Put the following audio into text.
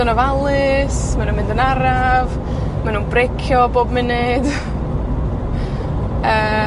yn ofalus. Ma' nw'n mynd yn araf, ma' nw'n breicio bob munud. Yy.